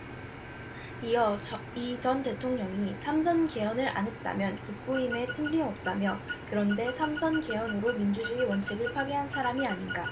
이어 이 전 대통령이 삼 선 개헌을 안했다면 국부임에 틀림없다며 그런데 삼 선 개헌으로 민주주의 원칙을 파괴한 사람 아닌가